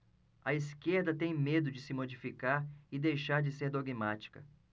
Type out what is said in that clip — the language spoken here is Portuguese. a esquerda tem medo de se modificar e deixar de ser dogmática